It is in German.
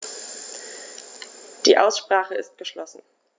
Die Aussprache ist geschlossen.